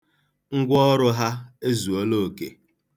Ngwaọrụ ha ezuola oke.